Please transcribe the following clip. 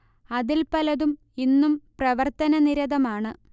അതിൽ പലതും ഇന്നും പ്രവർത്തനനിരതമാണ്